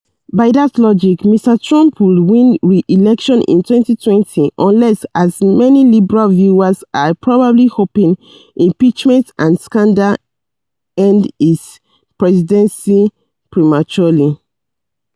By that logic, Mr. Trump would win re-election in 2020 unless, as many liberal viewers are probably hoping, impeachment and scandal end his presidency prematurely.